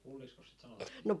pulliksikos sitä sanottiin